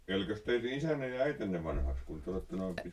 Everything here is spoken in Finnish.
elikös teidän isänne ja äitinne vanhaksi kun te olette noin -